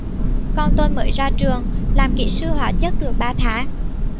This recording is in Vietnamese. con tôi mới ra trường làm kỹ sư hóa chất được ba tháng